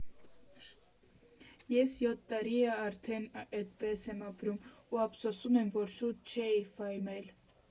Ես յոթ տարի ա արդեն էդպես եմ ապրում ու ափսոսում եմ, որ շուտ չէի ֆայմել։